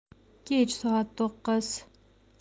kech soat to'qqiz